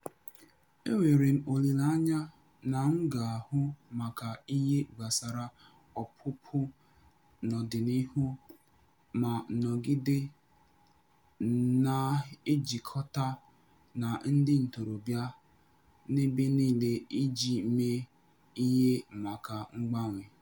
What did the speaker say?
Enwere m olile anya na m ga-ahụ maka ihe gbasara ọpụpụ n'ọdịnihu ma nọgide na-ejikọta na ndị ntorobịa n'ebe nile iji mee ihe maka mgbanwe.